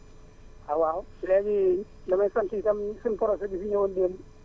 ah waaw léegi damay sanr i tam sunu projet bi fi ñëwoon démb